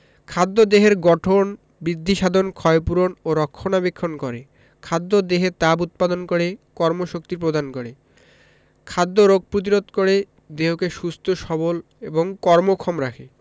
খাদ্য দেহের গঠন বৃদ্ধিসাধন ক্ষয়পূরণ ও রক্ষণাবেক্ষণ করে খাদ্য দেহে তাপ উৎপাদন করে কর্মশক্তি প্রদান করে খাদ্য রোগ প্রতিরোধ করে দেহকে সুস্থ সবল এবং কর্মক্ষম রাখে